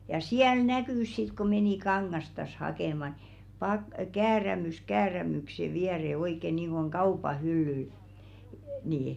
ja siellä näkyi sitten kun meni kangastaan hakemaan niin - käärämys käärämyksen viereen oikein niin kuin kaupan hyllyllä niin